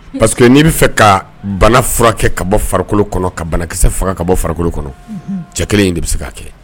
Paseke n'i b'a fɛ ka bana furakɛ ka bɔ farikolo kɔnɔ ka banakisɛ fanga ka bɔ farikolo kɔnɔ cɛ kelen in de bɛ se k'a kɛ